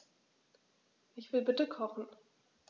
Ich will bitte kochen.